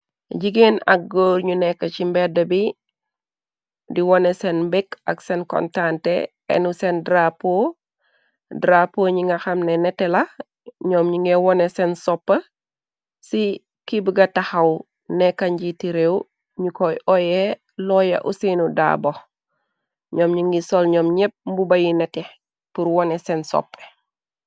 jigéen ak góor ñu nekk ci mbedd bi di wone seen mbékk ak seen kontante enu seen drapo ñi nga xamne neté la ñoom ñi nga wone seen sopp ci kibga taxaw nekka njiiti réew ñu koy oye looye useenu daa box ñoom ñi ngi sol ñoom ñépp mbubayi neti pur wone seen soppe